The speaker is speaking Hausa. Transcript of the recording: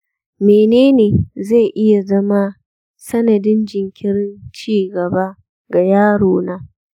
mene ne zai iya zama sanadin jinkirin ci gaba ga yarona?